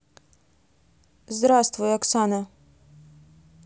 здравствуй оксана